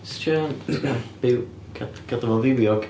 Jyst yn trio... ... by- cadw fo yn fywiog.